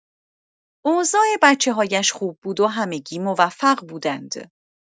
اوضاع بچه‌هایش خوب بود و همگی موفق بودند.